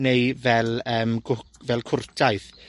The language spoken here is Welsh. neu fel yym cwch- fel cwrtaeth.